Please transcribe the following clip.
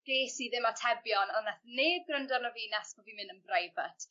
ges i ddim atebion on' nath neb grando arno fi nes bo' fi'n myn' ym preifat.